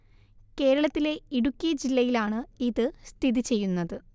കേരളത്തിലെ ഇടുക്കി ജില്ലയിലാണ് ഇത് സ്ഥിതി ചെയ്യുന്നത്